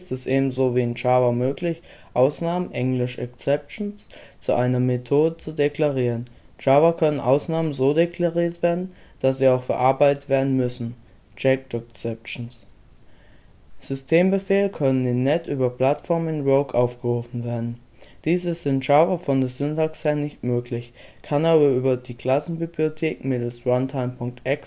es ebenso wie in Java möglich, Ausnahmen (exceptions) zu einer Methode zu deklarieren. In Java können Ausnahmen so deklariert werden, dass sie auch verarbeitet werden müssen (checked exception). Systembefehle können in. NET über platform invoke aufgerufen werden. Dies ist in Java von der Syntax her nicht möglich, kann aber über die Klassenbibliothek mittels Runtime.exec